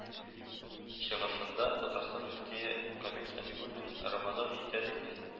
Чыгышында Татарстан мөфтие Камил Сәмигуллин, Рамазан җитә, дип